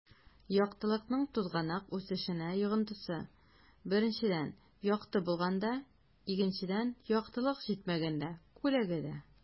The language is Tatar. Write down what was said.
Яктылыкның тузганак үсешенә йогынтысы: 1 - якты булганда; 2 - яктылык җитмәгәндә (күләгәдә)